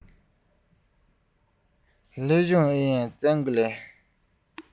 སློབ སྦྱོང ཨུ ཡོན སླེབས འདུག གས